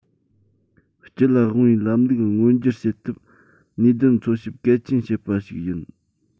སྤྱི ལ དབང བའི ལམ ལུགས མངོན འགྱུར བྱེད ཐབས ནུས ལྡན འཚོལ ཞིབ གལ ཆེན བྱེད པ ཞིག ཡིན